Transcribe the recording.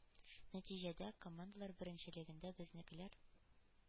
Нәтиҗәдә, командалар беренчелегендә безнекеләр